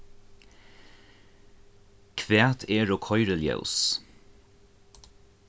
hvat eru koyriljós